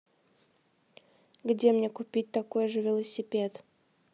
где мне купить такой же велосипед